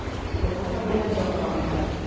Соңгы хәбәрләргә караганда.